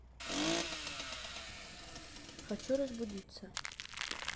хочу разбудиться